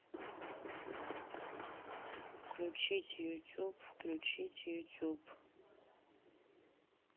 включить ютуб включить ютуб